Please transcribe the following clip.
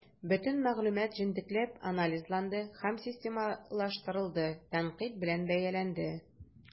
Бөтен мәгълүмат җентекләп анализланды һәм системалаштырылды, тәнкыйть белән бәяләнде.